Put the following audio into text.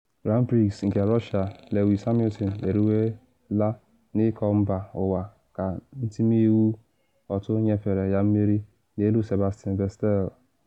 Grand Prix nke Russia: Lewis Hamilton eruwelaị n’iko mba ụwa ka ntimiwu otu nyefere ya mmeri n’elu Sebastian Vettel